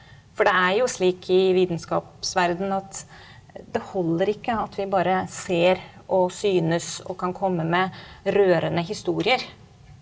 for det er jo slik i vitenskapsverdenen at det holder ikke at vi bare ser og synes og kan komme med rørende historier.